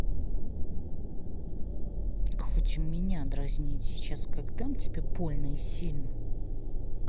хоть меня дразнить сейчас как дам тебе больно и сильно